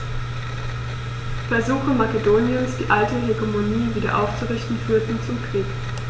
Versuche Makedoniens, die alte Hegemonie wieder aufzurichten, führten zum Krieg.